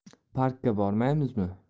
parkka bormaymizmi